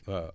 waaw